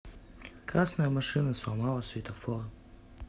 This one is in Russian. красная машина сломала светофор